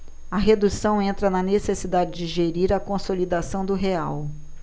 a redução entra na necessidade de gerir a consolidação do real